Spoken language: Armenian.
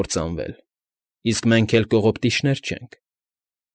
Կործանվել, իսկ մենք էլ կողոպտիչներ չենք։